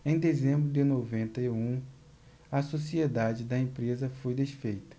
em dezembro de noventa e um a sociedade da empresa foi desfeita